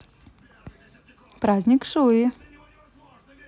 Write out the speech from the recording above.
праздник шуи